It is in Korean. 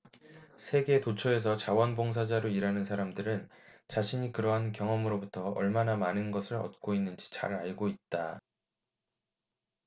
세계 도처에서 자원 봉사자로 일하는 사람들은 자신이 그러한 경험으로부터 얼마나 많은 것을 얻고 있는지 잘 알고 있다